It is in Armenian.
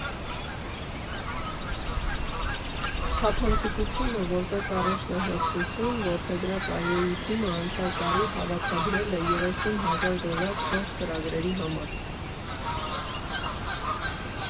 Թափանցիկությունը որպես առաջնահերթություն որդեգրած ԱՅՈ֊ի թիմն անցյալ տարի հավաքագրել է երեսուն հազար դոլար չորս ծրագրերի համար։